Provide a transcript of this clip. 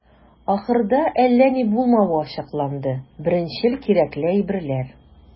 Ахырда, әллә ни булмавы ачыкланды - беренчел кирәкле әйберләр.